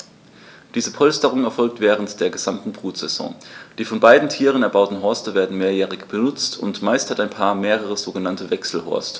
Diese Polsterung erfolgt während der gesamten Brutsaison. Die von beiden Tieren erbauten Horste werden mehrjährig benutzt, und meist hat ein Paar mehrere sogenannte Wechselhorste.